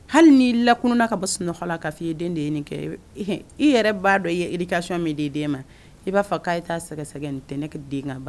Hali n'i lakunna ka bɔ sunɔkɔ la ka f'i ye i den de ye nin kɛ eb ehe ii yɛrɛ b'a dɔn i ye éducation min d'i den ma i b'a fɔ k'a ye taa sɛgɛsɛgɛ nin tɛ ne ka den Ka ma